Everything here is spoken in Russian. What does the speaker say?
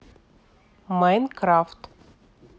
minecraft